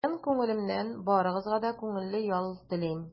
Чын күңелемнән барыгызга да күңелле ял телим!